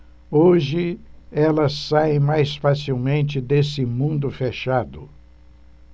hoje elas saem mais facilmente desse mundo fechado